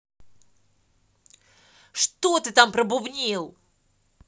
что ты там пробубнил